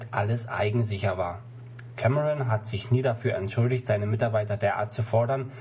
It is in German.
alles eigensicher war. Cameron hat sich nie dafür entschuldigt, seine Mitarbeiter derart zu fordern